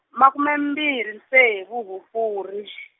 makume mbirhi ntsevu Hukuri.